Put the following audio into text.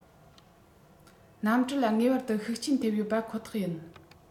གནམ གྲུ ལ ངེས པར དུ ཤུགས རྐྱེན ཐེབས ཡོད པ ཁོ ཐག ཡིན